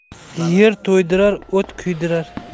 yer to'ydirar o't kuydirar